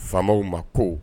Faamaw ma ko